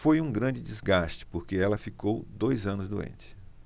foi um grande desgaste porque ela ficou dois anos doente